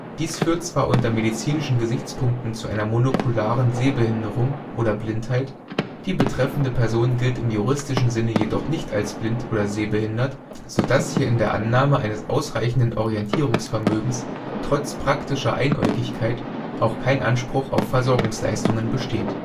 Dies führt zwar unter medizinischen Gesichtspunkten zu einer monokularen Sehbehinderung oder Blindheit, die betreffende Person gilt im juristischen Sinne jedoch nicht als blind oder sehbehindert, sodass hier in der Annahme eines ausreichenden Orientierungsvermögens trotz praktischer Einäugigkeit auch kein Anspruch auf Versorgungsleistungen besteht